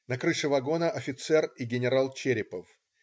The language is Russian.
На крыше вагона офицер и генерал Черепов.